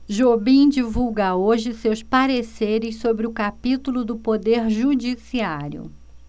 jobim divulga hoje seus pareceres sobre o capítulo do poder judiciário